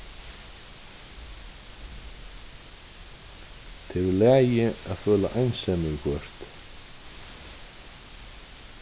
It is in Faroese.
tað er í lagi at føla einsemi viðhvørt